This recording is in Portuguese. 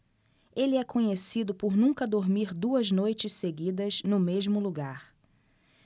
ele é conhecido por nunca dormir duas noites seguidas no mesmo lugar